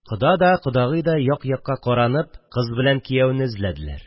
Кода да, кодагый да як-якка каранып кыз белән кияүне эзләделәр